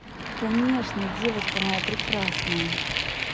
конечно девочка моя прекрасная